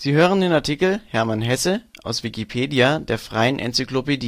hören den Artikel Hermann Hesse, aus Wikipedia, der freien Enzyklopädie